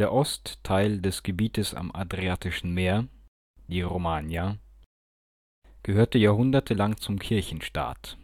Ostteil des Gebietes am Adriatischen Meer, die Romagna, gehörte jahrhundertelang zum Kirchenstaat